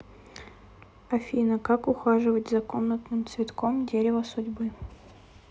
афина как ухаживать за комнатным цветком дерева судьбы